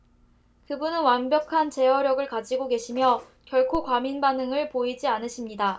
그분은 완벽한 제어력을 가지고 계시며 결코 과민 반응을 보이지 않으십니다